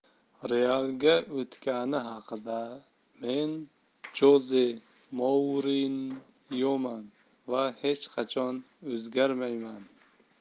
real ga o'tgani haqidamen joze mourinyoman va hech qachon o'zgarmayman